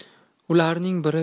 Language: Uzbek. ularning biri